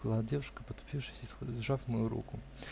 -- сказала девушка, потупившись и сжав мою руку.